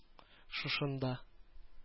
Шушында